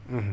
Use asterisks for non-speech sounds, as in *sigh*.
*hesitation* *hesitation*